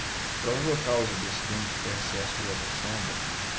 a provável causa do acidente foi excesso de lotação a bordo